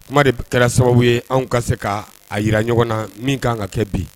Kuma de kɛra sababu ye anw ka se k ka a jira ɲɔgɔn na min ka ka kɛ bi